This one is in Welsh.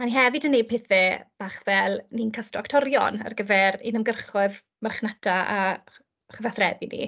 A ni hefyd yn wneud pethe bach, fel ni'n casto actorion ar gyfer ein ymgyrchoedd marchnata a a chyfathrebu ni.